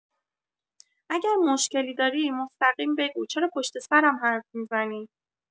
اگر مشکلی داری، مستقیم بگو، چرا پشت سرم حرف می‌زنی؟